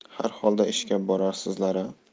har holda ishga borarsizlar a